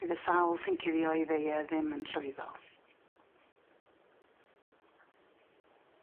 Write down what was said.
Bydd y sawl sy'n cuddio 'i feie ddim yn llwyddo.